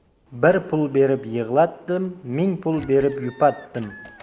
bir pul berib yig'latdim ming pul berib yupatdim